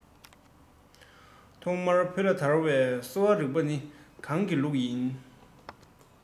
གཡུང དྲུང བོན གྱི ལུགས ཡིན